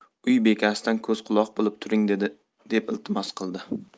uy bekasidan ko'z quloq bo'lib turing deb iltimos qildi